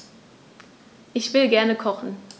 Ich will gerne kochen.